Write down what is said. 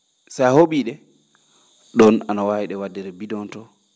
so a ho?ii ?e ?oon ano waawi ?e wa?de ?o bidon to